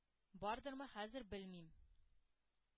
Бардырмы хәзер – белмим.